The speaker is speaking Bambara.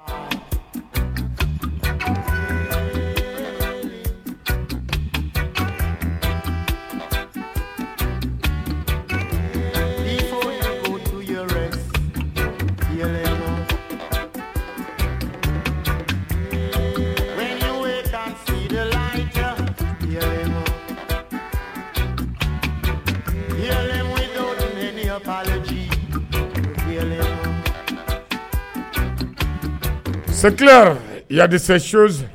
Yaji yɛlɛ sa yadise su